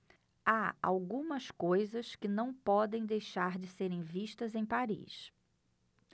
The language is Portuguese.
há algumas coisas que não podem deixar de serem vistas em paris